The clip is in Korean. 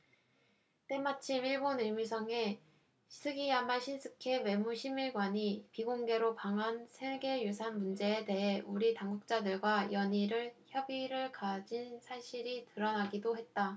때마침 일본 외무성의 스기야마 신스케 외무심의관이 비공개로 방한 세계유산 문제에 대해 우리 당국자들과 연이틀 협의를 가진 사실이 드러나기도 했다